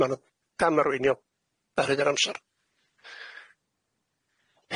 Ma' nw'n gamarweinio a rhoid yr amser.